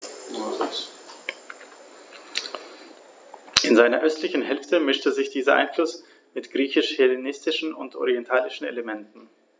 In seiner östlichen Hälfte mischte sich dieser Einfluss mit griechisch-hellenistischen und orientalischen Elementen.